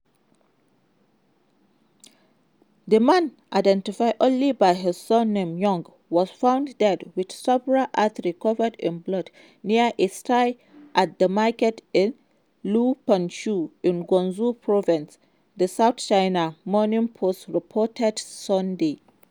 The man, identified only by his surname "Yuan," was found dead with a severed artery, covered in blood near a sty at the market in Liupanshui in Guizhou province, the South China Morning Post reported Sunday.